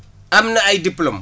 am na ay diplômes